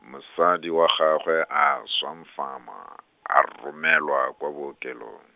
mosadi wa gagwe a swa mfama, a romelwa kwa bookelong.